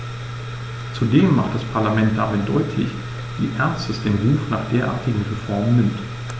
Zudem macht das Parlament damit deutlich, wie ernst es den Ruf nach derartigen Reformen nimmt.